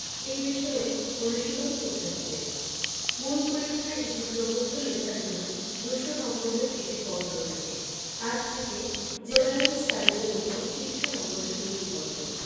এ বিষয়ে অনুশীলন করতে হবে মূল পরীক্ষায় একটি প্রবন্ধ লেখার জন্য দুশো নম্বরের একটি পত্র থাকে আর থাকে জেনারেল স্টাডিজের উপর তিনশো নম্বরের দুটি পত্র